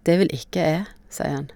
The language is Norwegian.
Det vil ikke e, sier han.